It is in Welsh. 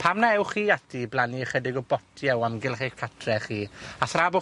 Pam na ewch chi ati i blannu ychydig o botie o amgylch eich cartre chi? A thra bo'